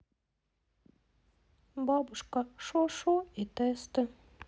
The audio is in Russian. бабушка шошо и тесты